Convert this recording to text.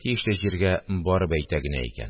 Тиешле җиргә барып әйтә генә икән